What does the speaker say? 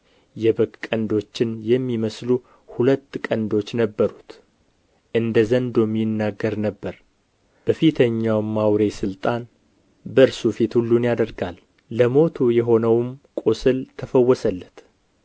የበግ ቀንዶችን የሚመስሉ ሁለት ቀንዶችም ነበሩት እንደ ዘንዶም ይናገር ነበር በፊተኛውም አውሬ ሥልጣን በእርሱ ፊት ሁሉን ያደርጋል ለሞቱ የሆነውም ቍስል ተፈወሰለት